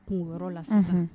Kun yɔrɔ la sisan